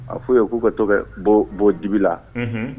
A fɔ k'u ka tɔgɔ bɔ dibi la